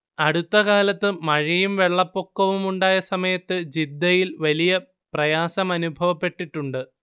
അടുത്ത കാലത്ത് മഴയും വെള്ളപ്പൊക്കവുമുണ്ടായ സമയത്ത് ജിദ്ദയിൽ വലിയ പ്രയാസമനുഭവപ്പെട്ടിട്ടുണ്ട്